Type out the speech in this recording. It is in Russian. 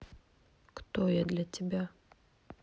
кто я для тебя